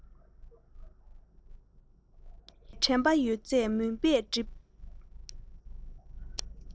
ངའི དྲན པ ཡོད ཚད མུན པས བསྒྲིབས